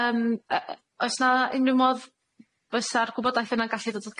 yym yy oes 'na unrhyw modd fysa'r gwybodaeth yna'n gallu dod at